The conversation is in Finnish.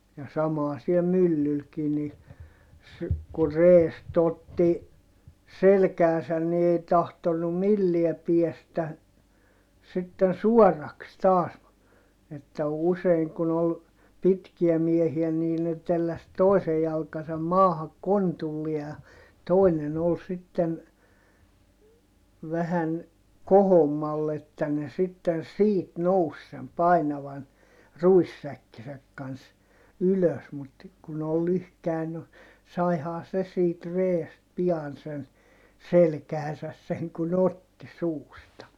ja sama siellä myllylläkin niin - kun reestä otti selkäänsä niin ei tahtonut millään päästä sitten suoraksi taas että usein kun oli pitkiä miehiä niin ne telläsi toisen jalkansa maahan kontulleen ja toinen oli sitten vähän kohommalle että ne sitten siitä nousi sen painavan ruissäkkinsä kanssa ylös mutta kun oli lyhkäinen no saihan se siitä reestä pian sen selkäänsä sen kun otti suusta